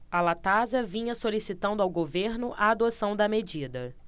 a latasa vinha solicitando ao governo a adoção da medida